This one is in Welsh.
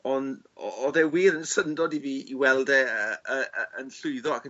On' o- o'dd e wir yn syndod i fi i weld e yy yy yy yn llwyddo ac yn